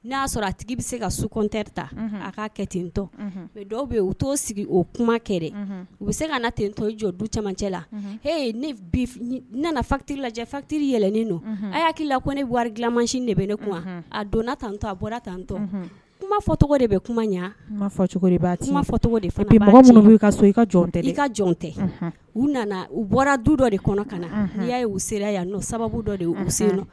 N' y'a sɔrɔ a tigi bɛ se ka su kɔntɛ ta a' kɛ tentɔ mɛ dɔw bɛ u t'o sigi o kuma kɛ u bɛ se ka na tentɔ jɔ du camancɛ la he nana fatiri lajɛ fatiriɛlɛnnen don a hakili la ko ne wari dilanmansi de bɛ ne kuma a donna tan to a bɔra tantɔ kuma fɔ tɔgɔ de bɛ kuma ɲɛ kuma fɔ tɔgɔ ka so i ka jɔn tɛ i ka jɔn tɛ u nana u bɔra du dɔ de kɔnɔ ka na ii y'a ye u sera yan n' sababu dɔ u sera